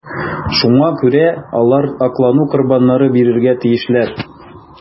Шуңа күрә алар аклану корбаннары бирергә тиешләр.